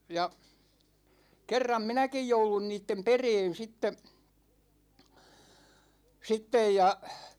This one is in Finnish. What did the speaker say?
ja kerran minäkin jouduin niiden perään sitten sitten ja